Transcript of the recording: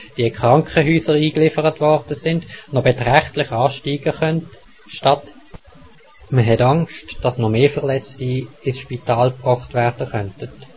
Chrankchəhüüsər iiglifərət woordə sind, no beträchtlich aaschtiigə chönnt statt mə hät Angscht, das no mee Vərletzti in Schpitaal praacht wäärdə chönntət